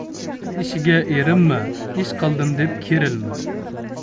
el ishiga erinma ish qildim deb kerilma